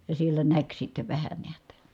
ja siellä näki sitten vähän näet